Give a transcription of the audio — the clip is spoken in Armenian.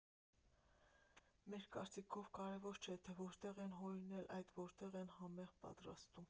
Մեր կարծիքով կարևոր չէ, թե որտեղ են հորինել, այլ որտեղ են համեղ պատրաստում։